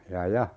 ja ja